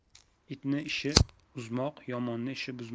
itning ishi uzmoq yomonning ishi buzmoq